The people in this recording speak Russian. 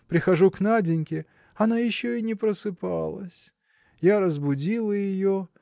Прихожу к Наденьке – она еще и не просыпалась. Я разбудила ее.